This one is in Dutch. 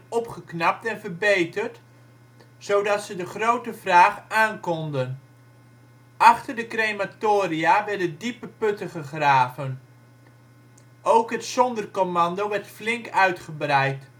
opgeknapt en verbeterd, zodat ze de grote vraag aankonden. Achter de crematoria werden diepe putten gegraven. Ook het Sonderkommando werd flink uitgebreid